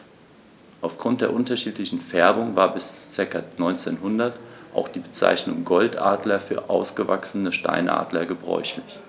Auf Grund der unterschiedlichen Färbung war bis ca. 1900 auch die Bezeichnung Goldadler für ausgewachsene Steinadler gebräuchlich.